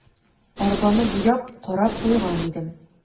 Арбаны буяп, карап куйган идем.